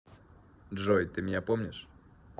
джой ты меня помнишь